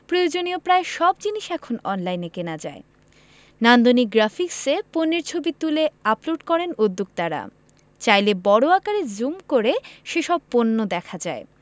প্রয়োজনীয় প্রায় সব জিনিস এখন অনলাইনে কেনা যায় নান্দনিক গ্রাফিকসে পণ্যের ছবি তুলে আপলোড করেন উদ্যোক্তারা চাইলে বড় আকারে জুম করে সেসব পণ্য দেখা যায়